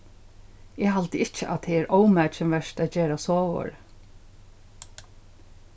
eg haldi ikki at tað er ómakin vert at gera sovorðið